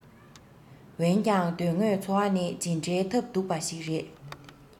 འོན ཀྱང དོན དངོས འཚོ བ ནི ཇི འདྲའི ཐབས སྡུག པ ཞིག རེད